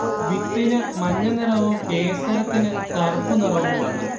വിത്തിനു മഞ്ഞനിറവും കേസരത്തിനു കറുപ്പു നിറവുമാണ്